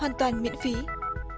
hoàn toàn miễn phí